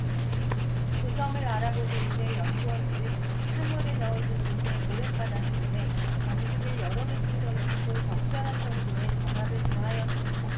그 점을 알아보기 위해 연구원들은 상어를 넣어 둔 곳의 모랫바닥 속에 전극을 여러 개 숨겨 놓고 적절한 정도의 전압을 가하였습니다